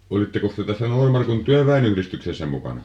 olittekos te tässä Noormarkun työväenyhdistyksessä mukana